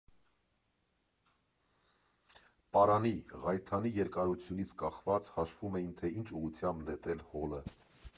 Պարանի՝ ղայթանի երկարությունից կախված՝ հաշվում էին, թե ինչ ուղղությամբ նետել հոլը։